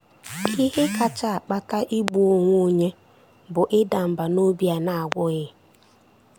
Ihe kacha akpata igbu onwe onye bụ ịda mbà n'obi a na-agwọghị.